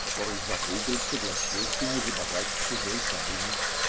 который за рубль согласился не выдавать чужой тайны.